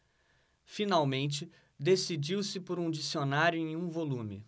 finalmente decidiu-se por um dicionário em um volume